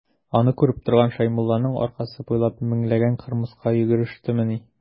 Аны күреп торган Шәймулланың аркасы буйлап меңләгән кырмыска йөгерештемени.